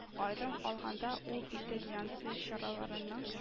Аерым алганда, ул “идел-янцзы” чараларының